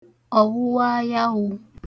ọ̀wụwaayawụ̄